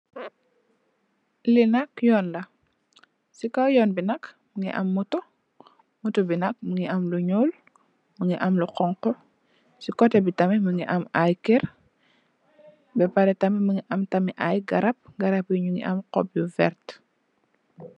Li nak yuun la si kaw yuun bi nak mongi moto moto bi nak mongi am lu nuul mongi am lu xonxu si kote bi tamit mongi am ay keur bapare tam mongi am tam ay garab garab bi mongi am xoop yu verta.